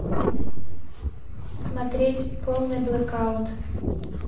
смотреть полный блэкаут